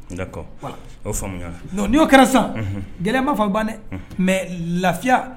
N kɔ o faamuya kɛra san gɛlɛya ma fa ban dɛ mɛ lafiya